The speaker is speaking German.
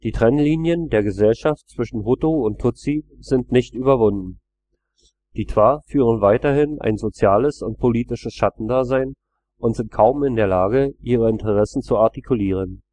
Trennlinien der Gesellschaft zwischen Hutu und Tutsi sind nicht überwunden. Die Twa führen weiterhin ein soziales und politisches Schattendasein und sind kaum in der Lage, ihre Interessen zu artikulieren